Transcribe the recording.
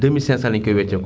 2500 lañ koy wecceekoo